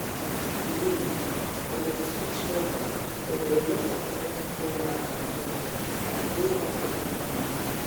Believe me, when it switched over there were a lot of texts going back and forth and they all were not friendly.